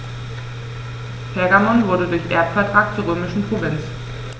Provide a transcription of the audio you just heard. Pergamon wurde durch Erbvertrag zur römischen Provinz.